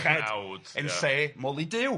...yn lle moli Duw...